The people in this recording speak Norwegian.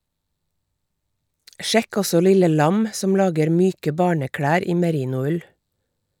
Sjekk også Lille Lam, som lager myke barneklær i merinoull.